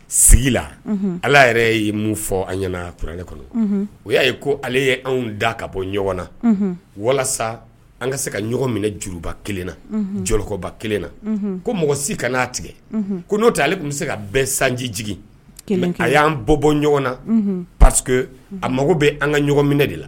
Sigi la ala yɛrɛ y'i mun fɔ an ɲɛna kurauranlen kɔnɔ o y'a ye ko ale ye anw da ka bɔ ɲɔgɔn na walasa an ka se ka ɲɔgɔn minɛ juruba kelen na jɔlɔkɔba kelen na ko mɔgɔ si kana'a tigɛ ko n'o tɛ ale tun bɛ se ka bɛn sanji jigin a y'an bɔ bɔ ɲɔgɔn na pa que a mago bɛ an ka ɲɔgɔn minɛ de la